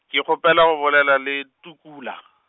ke kgopela go bolela le Tukela.